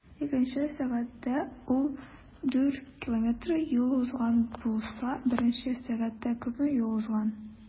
Икенче сәгатьтә ул 4 км юл узган булса, беренче сәгатьтә күпме юл узган?